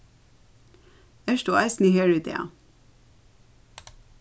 ert tú eisini her í dag